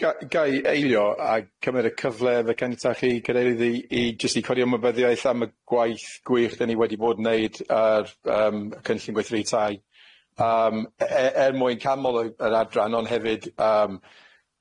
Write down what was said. Ga- ga'i eilio a cymer y cyfle efo cyntach i cydeirydd i i jyst i codi ymwybyddiaeth am y gwaith gwych den ni wedi bod wneud ar yym cynllun gweithreutai yym e- e- er mwyn canmol y- yr adran ond hefyd yym